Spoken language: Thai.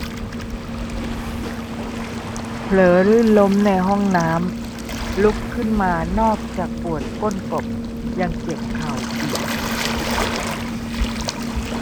เผลอลื่นล้มในห้องน้ำลุกขึ้นมานอกจากปวดก้นกบยังเจ็บเข่าอีก